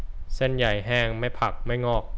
เส้นใหญ่่แห้งไม่ผักไม่งอก